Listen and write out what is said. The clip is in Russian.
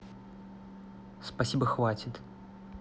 спасибо хватит